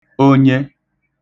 onye